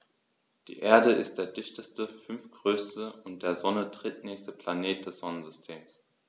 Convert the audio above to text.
Die Erde ist der dichteste, fünftgrößte und der Sonne drittnächste Planet des Sonnensystems.